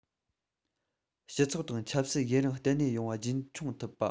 སྤྱི ཚོགས དང ཆབ སྲིད ཡུན རིང བརྟན གནས ཡོང བ རྒྱུན འཁྱོངས ཐུབ པ